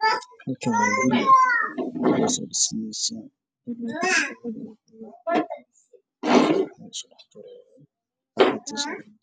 Waa guryo villa ah midabkiis